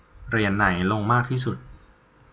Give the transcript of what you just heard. เหรียญไหนลงมากที่สุด